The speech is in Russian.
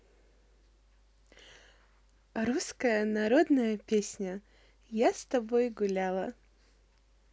русская народная песня я с тобой гуляла